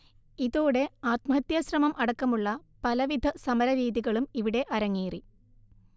ഇതോടെ ആത്മഹത്യ ശ്രമം അടക്കമുള്ള പലവിധ സമരരീതികളും ഇവിടെ അരങ്ങേറി